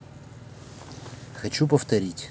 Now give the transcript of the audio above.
хочу повторить